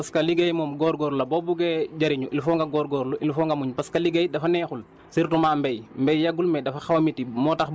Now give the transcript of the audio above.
li ma leen di ñaax mooy ñu góorgóorlu parce que liggéey moom góorgóorlu la boo buggee jëriñu il faut nga góorgóorlu il faut nga muñ parce que liggéey dafa neexul surtout mbéy